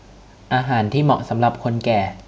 อาหารที่เหมาะสำหรับคนแก่